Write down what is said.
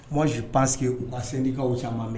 Moi, je pense que o ma syndicats caaman m